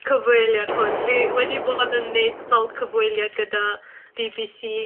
Cyfweliad hwn fi wedi bod yn neud sawl cyfweliad gyda bee bee see